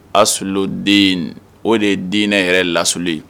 As den in o de ye deninɛ yɛrɛ lasli ye